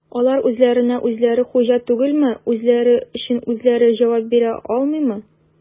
Алар үзләренә-үзләре хуҗа түгелме, үзләре өчен үзләре җавап бирә алмыймы?